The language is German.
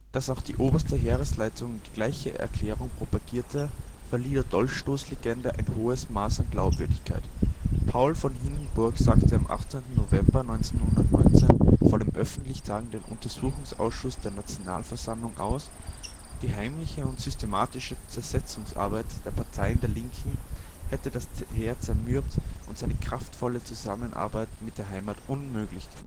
Dass auch die Oberste Heeresleitung die gleiche Erklärung propagierte, verlieh der Dolchstoßlegende ein hohes Maß an Glaubwürdigkeit. Paul von Hindenburg sagte am 18. November 1919 vor dem öffentlich tagenden Untersuchungsausschuss der Nationalversammlung aus, die heimliche und systematische Zersetzungsarbeit der Parteien der Linken hätte das Heer zermürbt und seine kraftvolle Zusammenarbeit mit der Heimat „ unmöglich